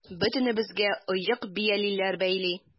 Бөтенебезгә оек-биялиләр бәйли.